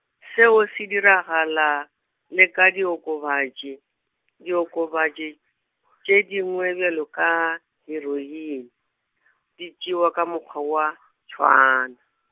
seo se diragala, le ka diokobatši, diokobatši , tše dingwe bjalo ka heroin, di tšewa ka mokgwa wa, tšhwaana.